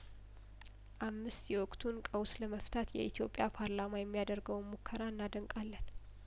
አምስት የወቅቱን ቀውስ ለመፍታት የኢትዮጵያ ፓርላማ የሚያደርገውን ሙከራ እናደንቃለን